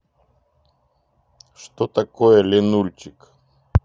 что такое ленульчик